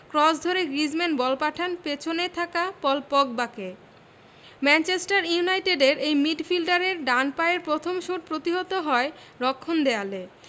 cross ধরে Griezmann ball পাঠান পেছনে থাকা পল পগবাকে ম্যানচেস্টার ইউনাইটেডের এই মিডফিল্ডারের ডান পায়ের প্রথম শট প্রতিহত হয় রক্ষণ দেয়ালে